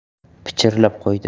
pichirlab qo'ydi